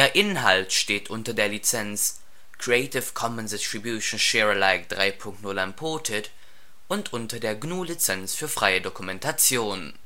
Inhalt steht unter der Lizenz Creative Commons Attribution Share Alike 3 Punkt 0 Unported und unter der GNU Lizenz für freie Dokumentation